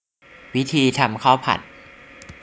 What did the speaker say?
วิธีทำข้าวผัด